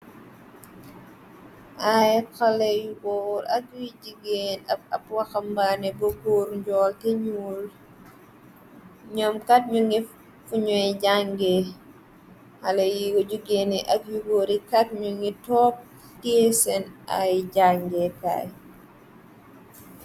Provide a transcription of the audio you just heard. ay xale yu góor ak wiy jigeen ab waxambaane bogooru njool te ñuul ñoom kat ñu ngi fu ñuy jàngee xale yu jugeeni ak yu góori kat ñu ngi topp gee seen ay jànge taay